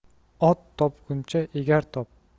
ot topguncha egar top